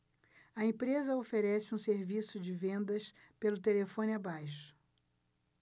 a empresa oferece um serviço de vendas pelo telefone abaixo